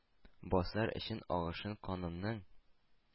Басар өчен агышын канымның.